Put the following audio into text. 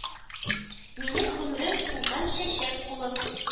Минем гомерем сулган чәчкә булып